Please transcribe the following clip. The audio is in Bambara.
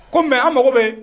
Kɔmi mɛ an mago bɛ